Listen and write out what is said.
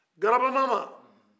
garaba mama